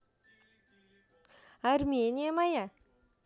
армения моя